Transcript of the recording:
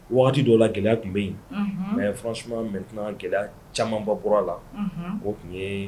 Wagati dɔ la gɛlɛya kun be yen. Mais franchement maintenant gɛlɛya camanba bɔra la . O kun ye